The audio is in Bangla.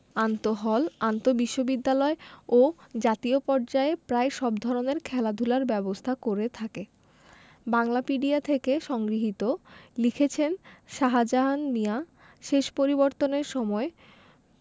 আন্তঃহল আন্তঃবিশ্ববিদ্যালয় ও জাতীয় পর্যায়ে প্রায় সব ধরনের খেলাধুলার ব্যবস্থা করে থাকে বাংলাপিডিয়া থেকে সংগৃহীত লিখেছেনঃ সাজাহান মিয়া শেষ পরিবর্তনের সময়